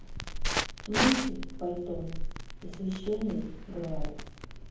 монти пайтон и священный грааль